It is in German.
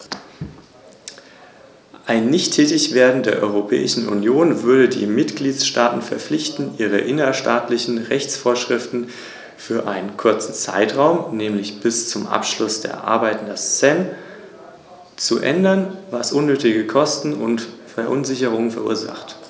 In der Strategie Europa 2020 haben wir uns vor allem auf erneuerbare Energien konzentriert, und das ist auch richtig so.